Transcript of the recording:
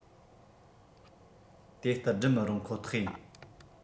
དེ ལྟར བསྒྲུབ མི རུང ཁོ ཐག ཡིན